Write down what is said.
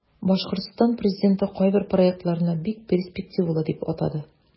Башкортстан президенты кайбер проектларны бик перспективалы дип атады.